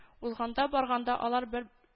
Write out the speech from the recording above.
Узганда-барганда алар бер